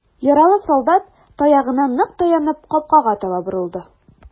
Яралы солдат, таягына нык таянып, капкага таба борылды.